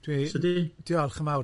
Dwi... Diolch yn fawr.